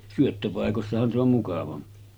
syöttöpaikoissahan se on mukavampi